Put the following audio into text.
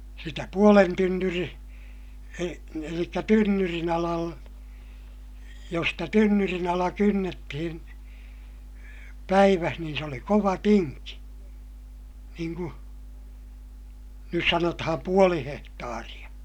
sitä puolen -- eli tynnyrin - jos sitä tynnyrin ala kynnettiin päivässä niin se oli kova tinki niin kuin nyt sanotaan puoli hehtaaria